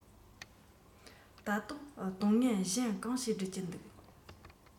ད དུང དོན ངན གཞན གང ཞིག སྒྲུབ ཀྱིན འདུག